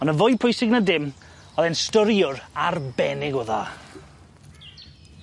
On' yn fwy pwysig na dim o'dd e'n storiwr arbennig o dda.